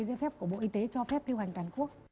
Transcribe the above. giấy phép của bộ y tế cho phép lưu hành toàn quốc